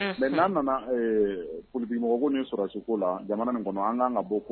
Mɛ n'an nana polibimɔgɔ ni sɔrɔsiwko la jamana in kɔnɔ an ka kan ka bɔ ko